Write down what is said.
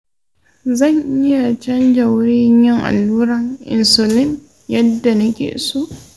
zan iya canza wurin yin allurar insulin yadda nake so?